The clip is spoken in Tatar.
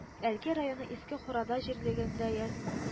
Әлки районы Иске Хурада җирлегендә я